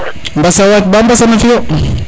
Mbasa Wadie Bab Mbasa nam fio